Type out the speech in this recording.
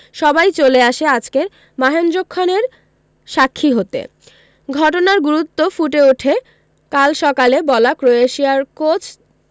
সবাই চলে আসে আজকের মাহেন্দ্রক্ষণের সাক্ষী হতে ঘটনার গুরুত্ব ফুটে ওঠে কাল সকালে বলা ক্রোয়েশিয়ার কোচ